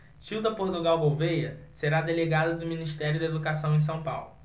gilda portugal gouvêa será delegada do ministério da educação em são paulo